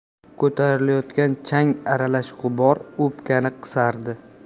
ko'tarilayotgan chang aralash g'ubor o'pkani qisardi